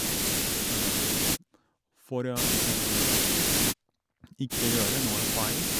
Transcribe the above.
For ikke gjøre noe feil.